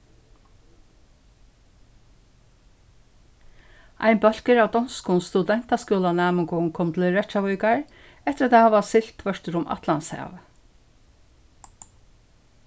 ein bólkur av donskum studentaskúlanæmingum kom til reykjavíkar eftir at hava siglt tvørtur um atlantshavið